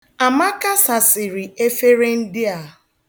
Amaka sasịrị efere ndị a.